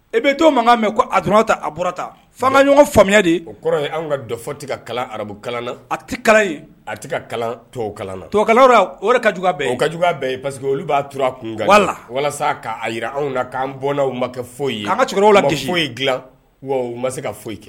E bɛ to mankan mɛn a tora ta ata fanga ɲɔgɔn faamuyaya de o kɔrɔ anw ka dɔfɔ tɛ ka kalan arabukala na a tɛ kala a kalan na toka ka o juguya ye parce que olu b'a t a kun kan walasa'a jira anw k'an bɔn ma kɛ foyi ye an ka cɛkɔrɔba la kɛ foyi ye dila wa ma se ka foyi kɛ